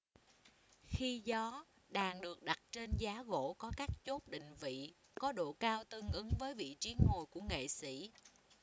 khi dó đàn được đặt trên giá gỗ có các chốt định vị có độ cao tương ứng với vị trí ngồi của nghệ sĩ